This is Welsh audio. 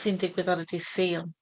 sy'n digwydd ar y dydd Sul?